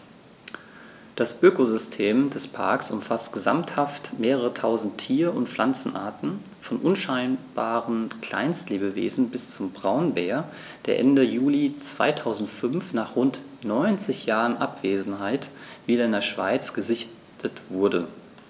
Das Ökosystem des Parks umfasst gesamthaft mehrere tausend Tier- und Pflanzenarten, von unscheinbaren Kleinstlebewesen bis zum Braunbär, der Ende Juli 2005, nach rund 90 Jahren Abwesenheit, wieder in der Schweiz gesichtet wurde.